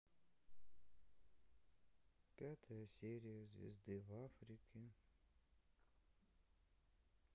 пятая серия звезды в африке